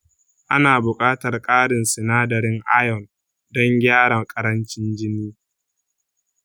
ana buƙatar ƙarin sinadarin iron don gyara ƙarancin jini.